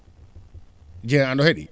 Dieng ano heɗii